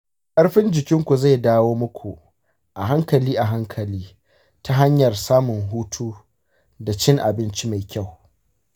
ƙarfin jikinku zai dawo muku a hankali a hankali ta hanyar samun hutu da cin abinci mai kyau.